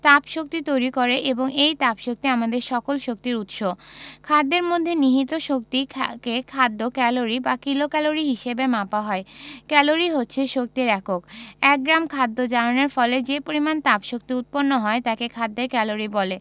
তাপশক্তি তৈরি করে এবং এই তাপশক্তি আমাদের সকল শক্তির উৎস খাদ্যের মধ্যে নিহিত শক্তিকে খাদ্য ক্যালরি বা কিলোক্যালরি হিসেবে মাপা হয় ক্যালরি হচ্ছে শক্তির একক এক গ্রাম খাদ্য জারণের ফলে যে পরিমাণ তাপশক্তি উৎপন্ন হয় তাকে খাদ্যের ক্যালরি বলে